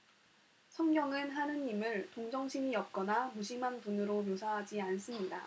성경은 하느님을 동정심이 없거나 무심한 분으로 묘사하지 않습니다